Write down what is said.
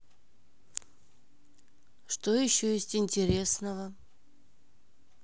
что еще есть интересного